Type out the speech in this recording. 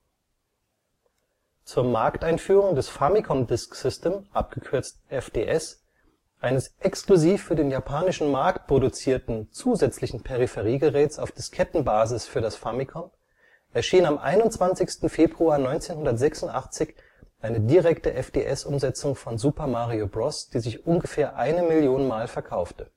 Zur Markteinführung des Famicom Disk System (FDS), eines exklusiv für den japanischen Markt produzierten, zusätzlichen Peripheriegeräts auf Diskettenbasis für das Famicom, erschien am 21. Februar 1986 eine direkte FDS-Umsetzung von Super Mario Bros., die sich ungefähr eine Million Mal verkaufte